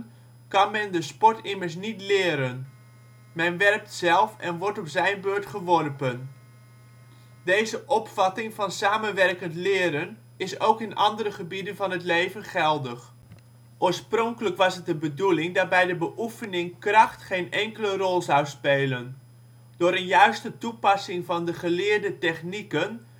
kan men de sport immers niet leren; men werpt zelf en wordt op zijn beurt geworpen. Deze opvatting van samenwerkend leren is ook in andere gebieden van het leven geldig. Oorspronkelijk was het de bedoeling dat bij de beoefening kracht geen enkele rol zou spelen: door een juiste toepassing van de geleerde technieken